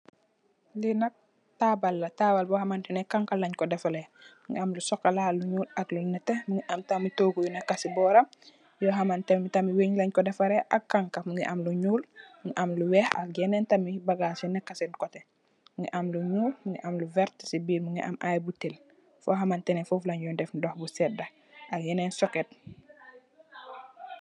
Lii nak taabal la, taabal bor hamanteh khanka len kor defarreh, mungy am lu chocolat, lu njull, ak lu nehteh, mungy am tamit tohgu yu neka cii bohram, yohr hamanteh neh weungh len kor defarreh ak khanka, mungy am lu njull, mu am lu wekh ak yenen tamit yu bagass yu neka sehn coteh, mungy am lu njull, mungy am lu vert cii birr mungy am aiiy butehll, for hamanteh neh fofu la njui deff ndoh bu sedah ak yenen socket.